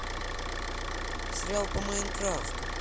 сериал по майнкрафту